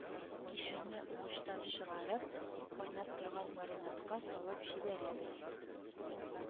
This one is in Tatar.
Кишерне угычтан чыгарып, кайнап торган маринадка салып җибәрәбез